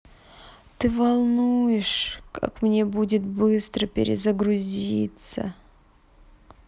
ты волнуешь как мне будет быстро перегрузиться